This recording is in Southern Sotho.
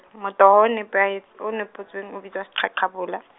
motoho o nepahe-, o nepotsweng o bitswa seqhaqhabola.